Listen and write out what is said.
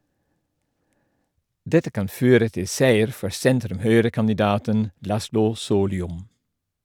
Dette kan føre til seier for sentrum-høyrekandidaten Laszlo Solyom.